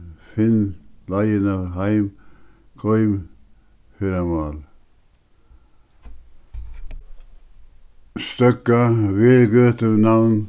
finn leiðina heim goym ferðamál støðga vel gøtunavn